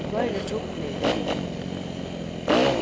fleiri fruktlitir